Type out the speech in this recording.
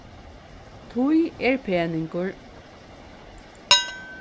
tíð er peningur